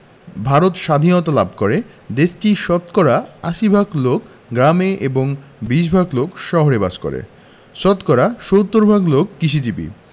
ভারত সাধীনতা লাভ করেদেশটির শতকরা ৮০ ভাগ লোক গ্রামে এবং ২০ ভাগ লোক শহরে বাস করেশতকরা ৭০ ভাগ লোক কৃষিজীবী